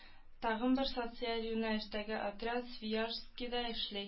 Тагын бер социаль юнәлештәге отряд Свияжскида эшли